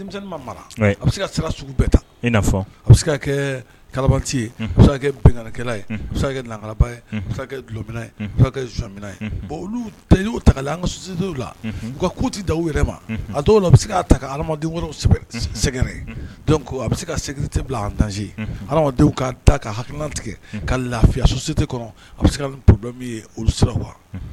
Bɛ se bɛɛ ta a bɛ se kɛ kalati ye kɛ bɛnkɛla yeanaba ye dulɔmina zminaan ye bon olu ta ta an kasite la u ka kuti da u yɛrɛ ma a dɔw la bɛ se' ta ka adamaden sɛgɛrɛ ko a bɛ se ka sɛte bila an danzdenw ka ta ka ha tigɛ ka lafiya susite a bɛ sedɔn ye olu sira wa